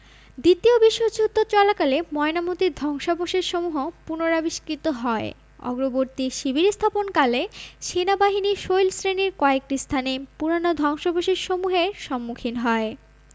দ্বিতীয় বিশ্বযুদ্ধ চলাকালে ময়নামতীর ধ্বংসাবশেষসমূহ পুনরাবিষ্কৃত হয় অগ্রবর্তী শিবির স্থাপনকালে সেনাবাহিনী শৈলশ্রেণির কয়েকটি স্থানে পুরানো ধ্বংসাবশেষসমূহের সম্মুখীন হয়